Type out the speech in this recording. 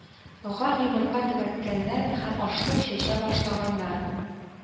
Ган йомырка тәгәрәткәннәр һәм ашлык чәчә башлаганнар